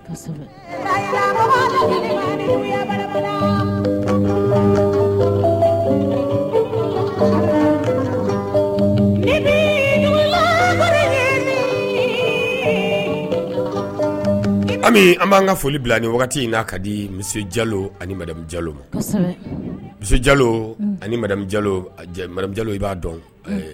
An b'an ka foli bila ni in n'a ka di jalo ani jalo ma jalo ani jalo i b'a dɔn